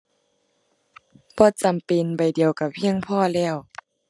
บ่จำเป็น ใบเดียวก็เพียงพอแล้ว